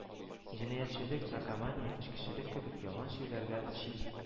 Җинаятьчелек, наркомания, эчкечелек кебек яман чирләргә чик